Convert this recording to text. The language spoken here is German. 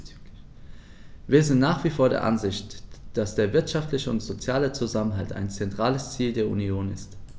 Wir sind nach wie vor der Ansicht, dass der wirtschaftliche und soziale Zusammenhalt ein zentrales Ziel der Union ist.